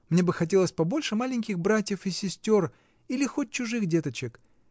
Мне бы хотелось побольше маленьких братьев и сестер, или хоть чужих деточек.